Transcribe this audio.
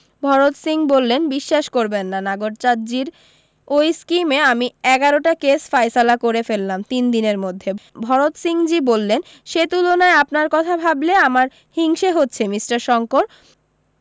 ভরত সিং বললেন বিশ্বাস করবেন না নাগরচাঁদজীর ওই স্কীমে আমি এগারোটা কেস ফায়সালা করে ফেললাম তিন দিনের মধ্যে ভরত সিংজী বললেন সে তুলনায় আপনার কথা ভাবলে আমার হিংসে হচ্ছে মিষ্টার শংকর